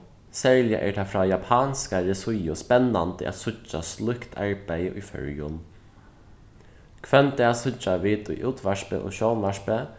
serliga er tað frá japanskari síðu spennandi at síggja slíkt arbeiði í føroyum hvønn dag síggja vit í útvarpi og sjónvarpi